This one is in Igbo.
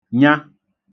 nya